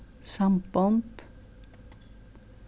sambond